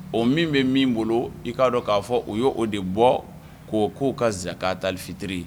O min bɛ min bolo i k'a dɔn k'a fɔ o y' o de bɔ k'o k'o ka zia k' taali fitiri ye